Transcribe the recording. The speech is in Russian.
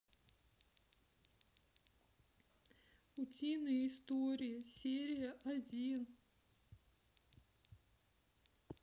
утиные истории серия один